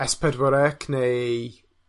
es pedwar ec neu